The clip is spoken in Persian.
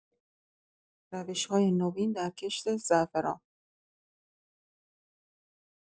روش‌های نوین در کشت زعفران